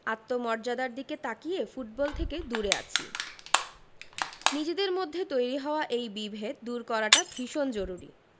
আত্মমর্যাদার দিকে তাকিয়ে ফুটবল থেকে দূরে আছি নিজেদের মধ্যে তৈরি হওয়া এই বিভেদ দূর করাটা ভীষণ জরুরি